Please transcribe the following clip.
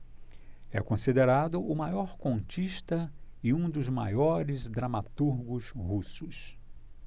é considerado o maior contista e um dos maiores dramaturgos russos